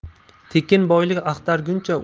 tekin boylik axtarguncha